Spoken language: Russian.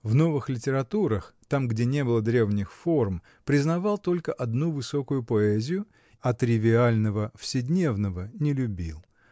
В новых литературах, там, где не было древних форм, признавал только одну высокую поэзию, а тривиального, вседневного не любил